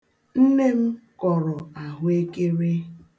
Nne m kọrọ ahụekere.